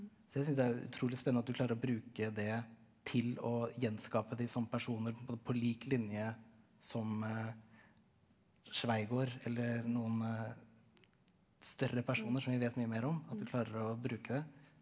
så jeg synes det er utrolig spennende at du klarer å bruke det til å gjenskape de samme personene på lik linje som Schweigaard eller noen større personer som vi vet mye mer om at du klarer å bruke det.